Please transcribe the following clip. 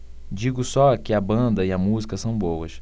digo só que a banda e a música são boas